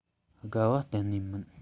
དགའ བ གཏན ནས མིན